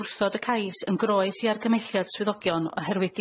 wrthod y cais yn groes i argymelliad swyddogion oherwydd